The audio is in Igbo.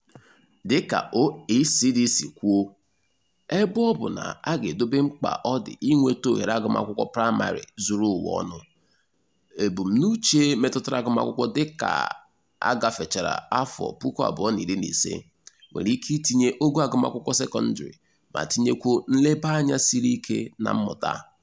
Dịka OECD si kwuo, ebe ọ bụ na a ga-edobe mkpa ọ dị inweta ohere agụmakwụkwọ praịmarị zuru ụwa ọnụ, ebumnuche metụtara agụmakwụkwọ dịka a gafechara 2015 nwere ike itinye ogo agụmakwụkwọ sekọndrị ma tinyekwuo nlebaanya siri ike na mmụta.